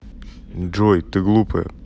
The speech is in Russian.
джой ты глупая